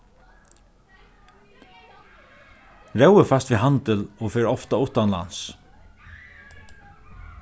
rói fæst við handil og fer ofta uttanlands